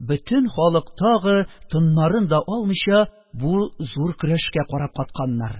Бөтен халык тагын, тыннарын да алмыйча, бу зур көрәшкә карап катканнар!